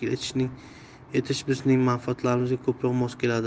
tashkil etish bizning manfaatlarimizga ko'proq mos keladi